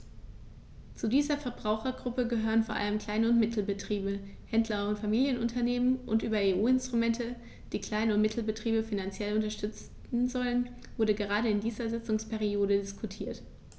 Zu dieser Verbrauchergruppe gehören vor allem Klein- und Mittelbetriebe, Händler und Familienunternehmen, und über EU-Instrumente, die Klein- und Mittelbetriebe finanziell unterstützen sollen, wurde gerade in dieser Sitzungsperiode diskutiert.